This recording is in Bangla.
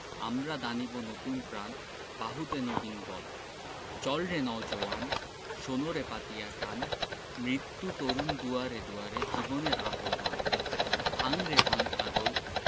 আমরা দানিব নতুন প্রাণ বাহুতে নবীন বল চল রে নও জোয়ান শোন রে পাতিয়া কান মৃত্যু তরণ দুয়ারে দুয়ারে জীবনের আহবান ভাঙ রে ভাঙ আগল